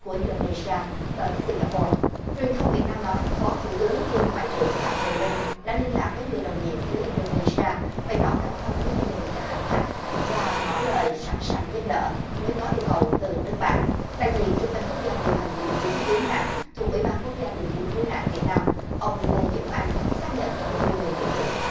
của in đô nê si a tới sinh ga po truyền thông việt nam nói phó thủ tướng kiêm ngoại trưởng phạm bình minh đã liên lạc với người đồng nhiệm phía in đô nê si a bày tỏ cảm thông với gia đình các hành khách và ngỏ lời sẵn sàng giúp đỡ nếu có yêu cầu từ nước bạn đại diện trung tâm quốc gia điều hành tìm kiếm cứu nạn thuộc ủy ban quốc gia tìm kiếm cứu nạn việt nam ông lê dũng anh xác nhận với vi ô ây việt ngữ